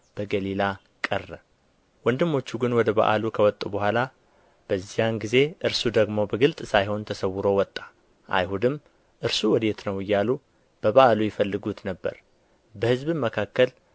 በገሊላ ቀረ ወንድሞቹ ግን ወደ በዓሉ ከወጡ በኋላ በዚያን ጊዜ እርሱ ደግሞ በግልጥ ሳይሆን ተሰውሮ ወጣ አይሁድም እርሱ ወዴት ነው እያሉ በበዓሉ ይፈልጉት ነበር በሕዝብም መካከል